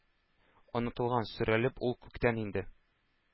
Онытылган. Сөрелеп ул күктән иңде